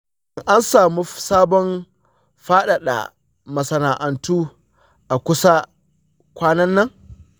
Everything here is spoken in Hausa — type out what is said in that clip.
shin an samu sabon faɗaɗa masana’antu a kusa kwanan nan?